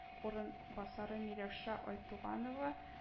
Урын басары миләүшә айтуганова